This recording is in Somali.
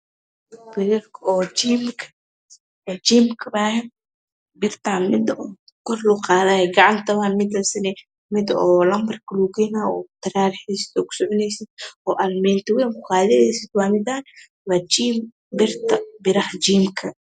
Birarka oo jiimka. Jiimka waaye birtaan mida oo kor loo qaadaayay waaye. Midaasne waa mida lanbarka lagu gaynaayay waaye oo la taraaraxeydsid waaye oo ku soco naysid waaye. Oo aalamiito wayn ku qaadanaysid waaye midaan. Waa jiim birta. biraha jiimka